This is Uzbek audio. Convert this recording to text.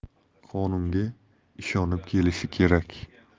qonunga ishonib kelishi kerak